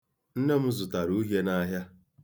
Nne m zụtara uhie n'ahịa.